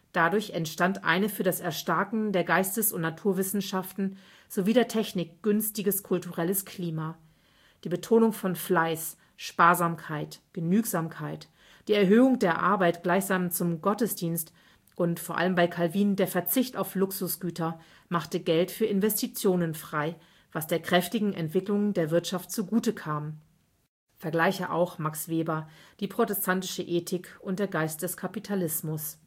Dadurch entstand eine für das Erstarken der Geistes - und Naturwissenschaften sowie der Technik günstiges kulturelles Klima. Die Betonung von Fleiß, Sparsamkeit, Genügsamkeit, die Erhöhung der Arbeit gleichsam zum Gottesdienst und – vor allem bei Calvin – der Verzicht auf Luxusgüter machte Geld für Investitionen frei, was der kräftigen Entwicklung der Wirtschaft zugutekam (vgl. Max Weber: Die protestantische Ethik und der Geist des Kapitalismus